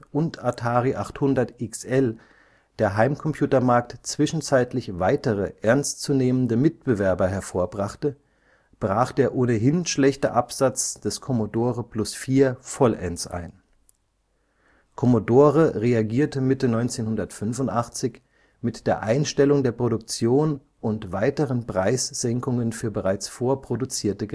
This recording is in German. und Atari 800XL der Heimcomputermarkt zwischenzeitlich weitere ernstzunehmende Mitbewerber hervorbrachte, brach der ohnehin schlechte Absatz des Commodore Plus/4 vollends ein. Commodore reagierte Mitte 1985 mit der Einstellung der Produktion und weiteren Preissenkungen für bereits vorproduzierte